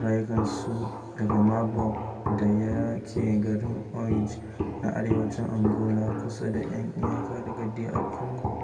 mutu daga Marburg da yake garin Uige na arewacin Angola, kusa da kan iyaka da DR Congo.